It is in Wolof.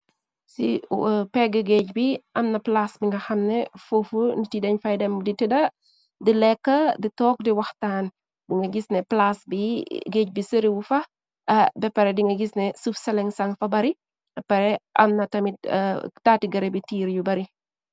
ci pegg géej bi amna plaas bi nga xamne foofu nit y dañ fay dem di tëda di lekka di toog di wax taan bi nga gis ne plaas bi géej bi seriwu fax bepare di nga gis ne suf-seleng san fa baripare amna tmit taati gëre bi tiir yu bari.